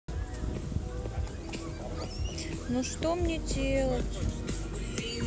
ну что мне делать